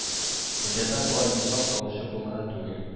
Хуҗада болай йоклап калучы бу гына түгел